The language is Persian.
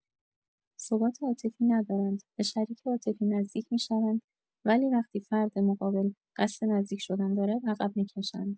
ثبات عاطفی ندارند؛ به شریک عاطفی نزدیک می‌شوند ولی وقتی فرد مقابل قصد نزدیک‌شدن دارد عقب می‌کشند.